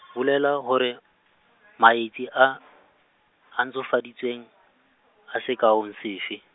bolela hore, maetsi a , a ntshofaditsweng, a sekaong sefe.